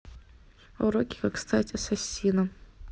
уроки как стать ассасином